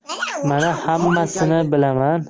man hammasini bilaman